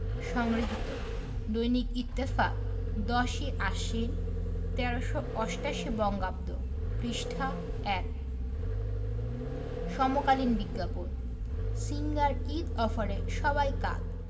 সংগৃহীত দৈনিক ইত্তেফাক ১০ই আশ্বিন ১৩৮৮ বঙ্গাব্দ পৃষ্ঠা – ১ সমকালীন বিজ্ঞাপন সিঙ্গার ঈদ অফারে সবাই কাত